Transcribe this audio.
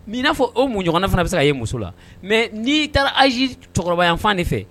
Nini'a fɔ o mun ɲɔgɔn fana bɛ se ka ye muso la mɛ n'ii taara ayiz cɛkɔrɔba fan de fɛ